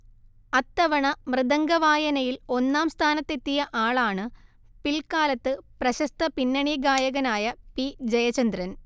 അത്തവണ മൃദംഗവായനയിൽ ഒന്നാം സ്ഥാനത്തെത്തിയ ആളാണ് പിൽക്കാലത്ത് പ്രശസ്ത പിന്നണി ഗായകനായ പി ജയചന്ദ്രൻ